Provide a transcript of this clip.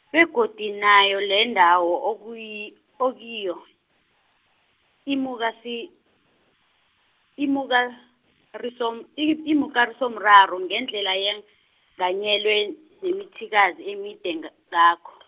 begodu nayo lendawo okiyi- okiyo, imukasi-, imukariso- im- imikarisomraro ngendlela, yenganyelwe mimithikazi, emide ng- ngakho .